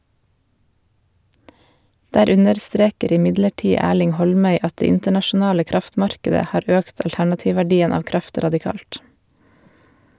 Der understreker imidlertid Erling Holmøy at det internasjonale kraftmarkedet har økt alternativverdien av kraft radikalt.